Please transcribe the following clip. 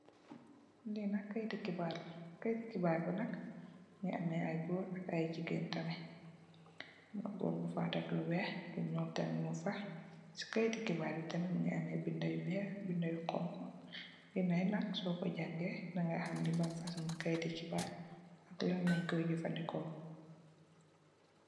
Li nak kayiti xibarr la, kayiti xibarr bi nak mugii ameh ay gór ak ay jigeen tamid. Gór bi fa def lu wèèx lu ñuul tamid mug fa. Ci kayiti xibarr yi nak mugii ameh bindé yu wèèx, bindé yu xonxu , bindé yi nak so ko jangèè di ga xam ban fasungi kayiti xibarr la ak lan lañ koy jafandiko.